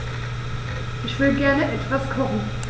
Ich will gerne etwas kochen.